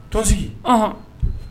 Ton sigi h